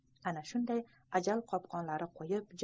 ana shunday ajal qopqonlari qo'yib